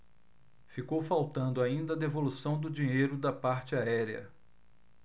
ficou faltando ainda a devolução do dinheiro da parte aérea